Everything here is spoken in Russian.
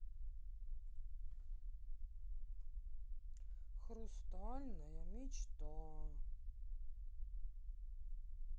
хрустальная мечта